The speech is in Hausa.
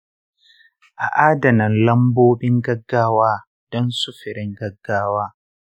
a adana lambobin gaggawa don sufurin gaggawa.